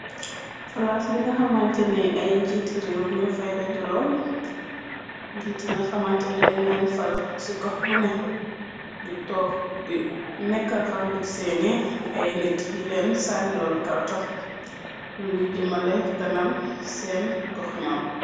Palas bi nga xamanteh ay njiiti réew ñu fay dajalo njiit yi nga xamante ni dañaleen fal ci gox bune ñu toog di nekkal fangir seeni ay nit yileen saani loon karta purr luy jëmale kanam seen gox ñoom.